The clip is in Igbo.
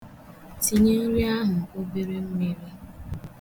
Tinye nri ahụ obere mmiri